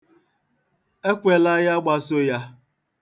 Ekwela ya gbaso ya.